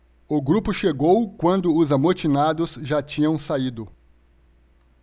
o grupo chegou quando os amotinados já tinham saído